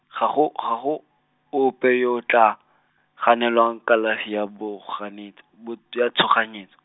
ga go, ga go, ope yo o tla, ganelwang kalafi ya boganetsi, bo ya tshoganyetso.